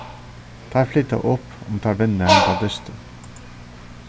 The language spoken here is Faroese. teir flyta upp um teir vinna hendan dystin